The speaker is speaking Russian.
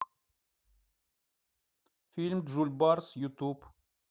фильм джульбарс ютуб